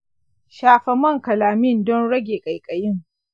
shafa man calamine don rage ƙaiƙayin.